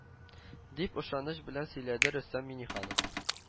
Дип ышаныч белән сөйләде рөстәм миңнеханов